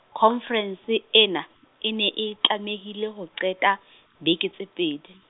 khonferense ena, e ne e tlamehile ho qeta, beke tse pedi.